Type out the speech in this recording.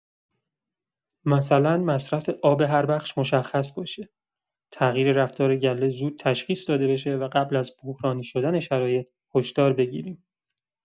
مثلا مصرف آب هر بخش مشخص باشه، تغییر رفتار گله زود تشخیص داده بشه و قبل از بحرانی شدن شرایط هشدار بگیرم.